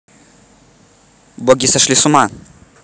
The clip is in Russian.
боги с ума сошли